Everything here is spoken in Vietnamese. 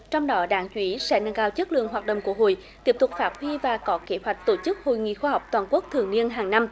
trong đó đáng chú ý sẽ nâng cao chất lượng hoạt động của hội tiếp tục phát huy và có kế hoạch tổ chức hội nghị khoa học toàn quốc thường niên hàng năm